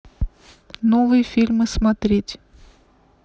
новые фильмы смотреть